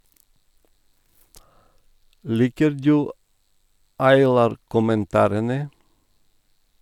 Liker du Aylar-kommentarene?